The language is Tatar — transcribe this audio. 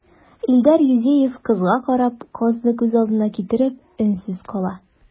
Илдар Юзеев, кызга карап, казны күз алдына китереп, өнсез кала.